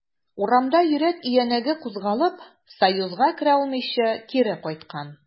Урамда йөрәк өянәге кузгалып, союзга керә алмыйча, кире кайткан.